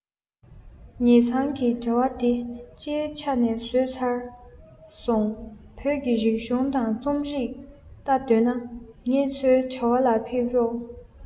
ངེད ཚང གི དྲ བ འདི སྤྱིའི ཆ ནས བཟོས ཚར སོང བོད ཀྱི རིག གཞུང དང རྩོམ རིག བལྟ འདོད ན ངེད ཚོའི དྲ བ ལ ཕེབས རོགས